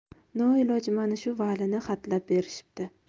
noiloj mana shu valini xatlab berishibdi